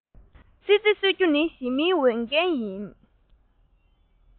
ཙི ཙི གསོད རྒྱུ ནི ཞི མིའི འོས འགན ཡིན